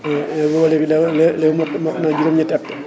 boobaag léeg léegi mu mot mot juróom ñetti at